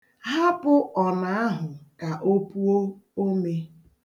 Hapụ ọna ahụ ka o puo ome.